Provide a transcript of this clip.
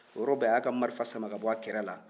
o yɔrɔ bɛɛ a y'a ka marifa sama k'a b'a kɛrɛ la